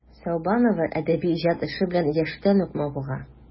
Сәүбанова әдәби иҗат эше белән яшьтән үк мавыга.